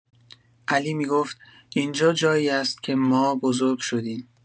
علی می‌گفت: «اینجا جایی است که ما بزرگ شدیم.»